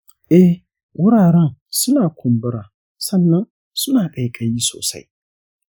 eh, wuraren suna kumbura sannan suna ƙaiƙayi sosai.